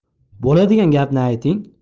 bo'ladigan gapni ayting